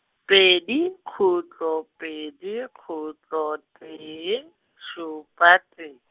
pedi, khutlo pedi, khutlo tee, šupa tee.